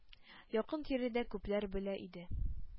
Якын-тирәдә күпләр белә иде.